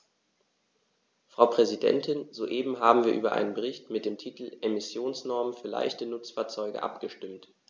Frau Präsidentin, soeben haben wir über einen Bericht mit dem Titel "Emissionsnormen für leichte Nutzfahrzeuge" abgestimmt.